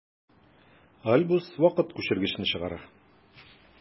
Альбус вакыт күчергечне чыгара.